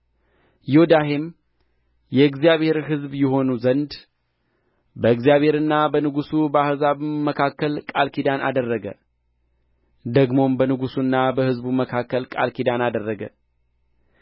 ዮዳሄም የእግዚአብሔር ሕዝብ ይሆኑ ዘንድ በእግዚአብሔርና በንጉሡ በሕዝቡም መካከል ቃል ኪዳን አደረገ ደግሞም በንጉሡና በሕዝቡ መካከል ቃል ኪዳን አደረገ